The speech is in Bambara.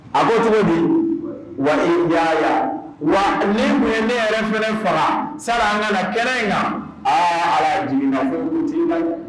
A ko cogo di ? wa nin kun ye ne yɛrɛ fɛnɛ faga sani an ka na kɛnɛ in kan . Aa Ala ye